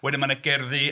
Wedyn ma' 'na gerddi...